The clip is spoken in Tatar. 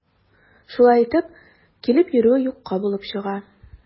Шулай итеп, килеп йөрүе юкка булып чыга.